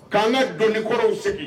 K'an ka donikɔrɔw sigi